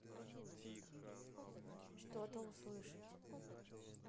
что то услышать